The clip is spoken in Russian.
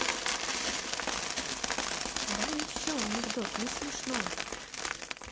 давай еще анекдот не смешно